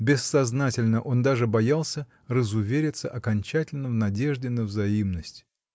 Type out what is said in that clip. Бессознательно он даже боялся разувериться окончательно в надежде на взаимность.